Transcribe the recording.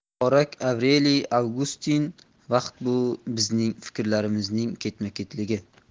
muborak avreliy avgustin vaqt bu bizning fikrlarimizning ketma ketligi